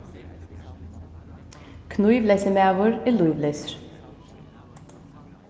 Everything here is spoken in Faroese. knívleysur maður er lívleysur